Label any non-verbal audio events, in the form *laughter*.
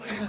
*hesitation* *hesitation*